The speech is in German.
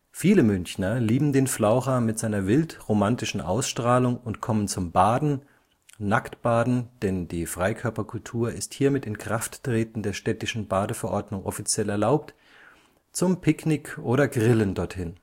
Viele Münchner lieben den Flaucher mit seiner wild-romantischen Ausstrahlung und kommen zum (Nackt -) Baden – die Freikörperkultur ist hier mit Inkrafttreten der städtischen Badeverordnung offiziell erlaubt –, zum Picknick oder Grillen dorthin